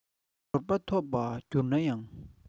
འབྱོར པ ཐོབ པར གྱུར ན ཡང